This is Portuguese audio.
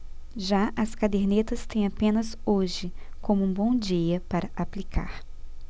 já as cadernetas têm apenas hoje como um bom dia para aplicar